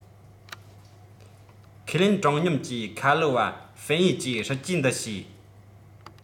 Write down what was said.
ཁས ལེན དྲང སྙོམས ཀྱི ཁ ལོ བ ཧྥན ཡུས གྱིས སྲིད ཇུས འདི ཤེས